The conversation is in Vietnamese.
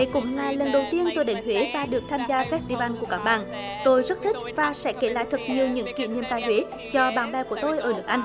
đây cũng là lần đầu tiên tôi đến huế và được tham gia phét ti van của các bạn tôi rất thích và sẽ kể lại thật nhiều những kỉ niệm tại huế cho bạn bè của tôi ở nước anh